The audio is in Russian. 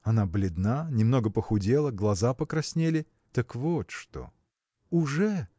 Она бледна, немного похудела, глаза покраснели. Так вот что! уже!